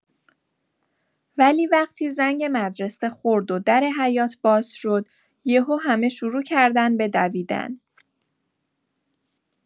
ولی وقتی زنگ مدرسه خورد و در حیاط باز شد، یه‌هو همه شروع‌کردن به دویدن.